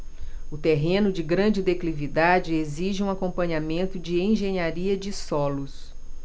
o terreno de grande declividade exige um acompanhamento de engenharia de solos